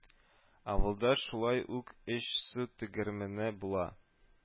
Авылда шулай ук өч су тегермәне була